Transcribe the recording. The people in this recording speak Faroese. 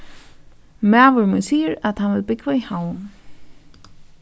maður mín sigur at hann vil búgva í havn